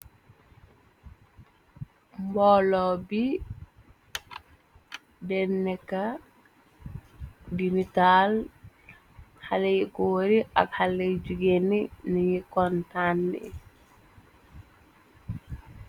Mboolo bi denneka dinutaal xalegoori ak xaleyi jugeene nanu kon tanni.